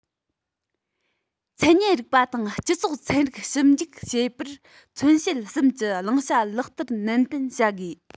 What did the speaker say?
མཚན ཉིད རིག པ དང སྤྱི ཚོགས ཚན རིག ཞིབ འཇུག བྱེད པར མཚོན བྱེད གསུམ གྱི བླང བྱ ལག བསྟར ནན ཏན བྱ དགོས